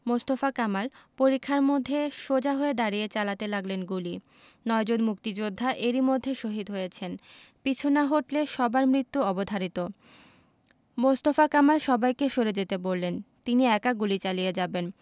মোস্তফা কামাল পরিখার মধ্যে সোজা হয়ে দাঁড়িয়ে চালাতে লাগলেন গুলি নয়জন মুক্তিযোদ্ধা এর মধ্যেই শহিদ হয়েছেন পিছু না হটলে সবার মৃত্যু অবধারিত মোস্তফা কামাল সবাইকে সরে যেতে বললেন তিনি একা গুলি চালিয়ে যাবেন